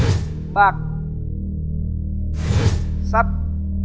bạc đồng sắt